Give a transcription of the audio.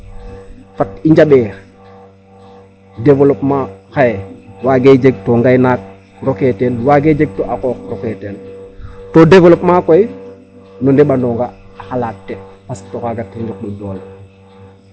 Fat i njaɓ ee développement xaye waagee jeg to ngaynaak rokee ten waagee jeg to a qooq rokee ten to développement koy no ɗeɓandong a xalat te parce que oxaaga ten roknu doole.